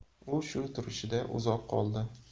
u shu turishida uzoq qoldi